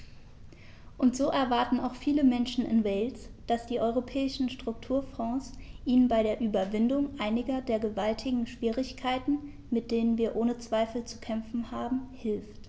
Und so erwarten auch viele Menschen in Wales, dass die Europäischen Strukturfonds ihnen bei der Überwindung einiger der gewaltigen Schwierigkeiten, mit denen wir ohne Zweifel zu kämpfen haben, hilft.